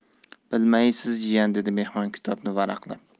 bilmaysiz jiyan dedi mehmon kitobni varaqlab